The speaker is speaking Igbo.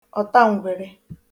ọ̀taǹgwère